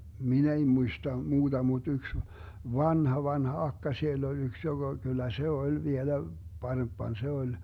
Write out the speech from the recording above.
minä ei muista muuta mutta yksi vanha vanha akka siellä oli yksi joka kyllä se oli vielä parempana se oli